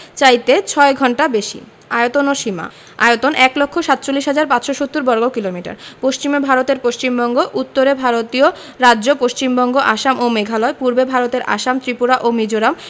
চাইতে ৬ ঘন্টা বেশি আয়তন ও সীমাঃ আয়তন ১লক্ষ ৪৭হাজার ৫৭০বর্গকিলোমিটার পশ্চিমে ভারতের পশ্চিমবঙ্গ উত্তরে ভারতীয় রাজ্য পশ্চিমবঙ্গ আসাম ও মেঘালয় পূর্বে ভারতের আসাম ত্রিপুরা ও মিজোরাম